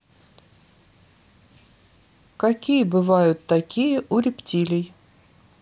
какие бывают такие у рептилий